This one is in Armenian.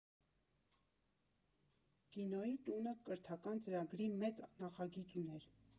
Կինոյի տունը կրթական ծրագրի մեծ նախագիծ ուներ։